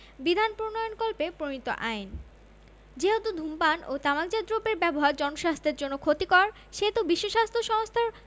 বিধান প্রণয়নকল্পে প্রণীত আইন যেহেতু ধূমপান ও তামাকজাত দ্রব্যের ব্যবহার জনস্বাস্থ্যের জন্য ক্ষতিকর যেহেতু বিশ্বস্বাস্থ্য সংস্থার